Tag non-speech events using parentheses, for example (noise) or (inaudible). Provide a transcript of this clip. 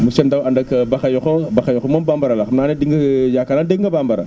monsieur Ndao ànd ak Bakhayokho Bakhayokho moom bambara la xam naa ne di nga (hesitation) yaakaar naa dégg nga bambara